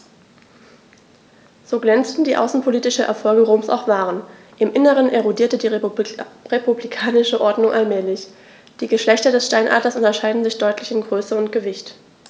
So glänzend die außenpolitischen Erfolge Roms auch waren: Im Inneren erodierte die republikanische Ordnung allmählich. Die Geschlechter des Steinadlers unterscheiden sich deutlich in Größe und Gewicht.